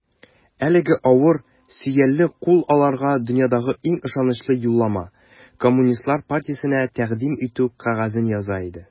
Әлеге авыр, сөялле кул аларга дөньядагы иң ышанычлы юллама - Коммунистлар партиясенә тәкъдим итү кәгазен яза иде.